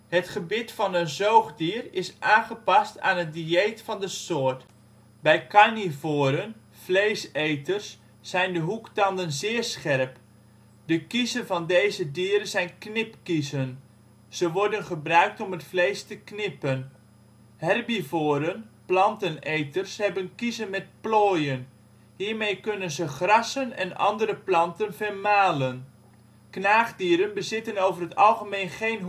Het gebit van een zoogdier is aangepast aan het dieet van de soort. Bij carnivoren (vleeseters) zijn de hoektanden zeer scherp. De kiezen van deze dieren zijn knipkiezen: ze worden gebruik om het vlees te knippen. Herbivoren (planteneters) hebben kiezen met plooien. Hiermee kunnen ze grassen en andere planten vermalen. Knaagdieren bezitten over het algemeen geen